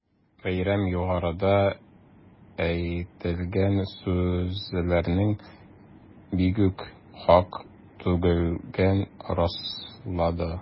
Бәйрәм югарыда әйтелгән сүзләрнең бигүк хак түгеллеген раслады.